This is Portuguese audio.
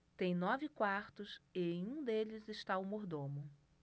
tem nove quartos e em um deles está o mordomo